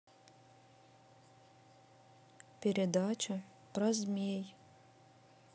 передача про змей